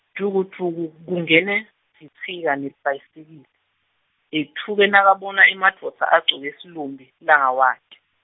Dvukudvuku, kungene, Vitsika nelibhayisikili, etfuke nakabona emadvodza agcoke silumbi, langawati.